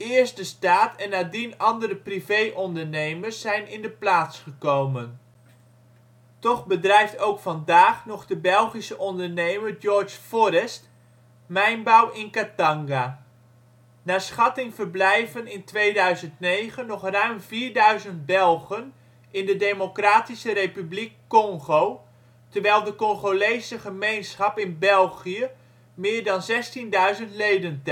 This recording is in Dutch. Eerst de staat (Gécamines) en nadien andere privé-ondernemers zijn in de plaats gekomen. Toch bedrijft ook vandaag nog de Belgische ondernemer George Forrest mijnbouw in Katanga. Naar schatting verblijven vandaag (2009) nog ruim 4.000 Belgen in de Democratische Republiek Congo, terwijl de Congolese gemeenschap in België meer dan 16.000 leden telt